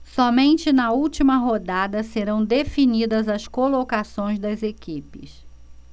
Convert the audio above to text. somente na última rodada serão definidas as colocações das equipes